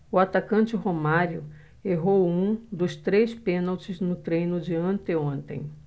o atacante romário errou um dos três pênaltis no treino de anteontem